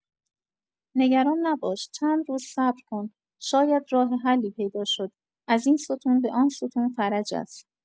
نگران نباش، چند روز صبر کن، شاید راه حلی پیدا شد؛ از این ستون به آن ستون فرج است.